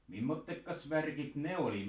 mimmoiset värkit ne oli